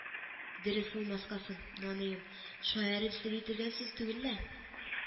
— дөрес булмаска соң, наныем, шаярып сөйли торган сүз түгел лә